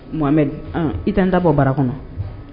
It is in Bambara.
I tɛ n taa bɔ bara kɔnɔ